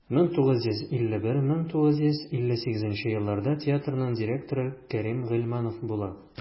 1951-1958 елларда театрның директоры кәрим гыйльманов була.